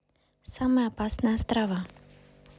самые опасные острова